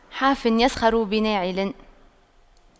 حافٍ يسخر بناعل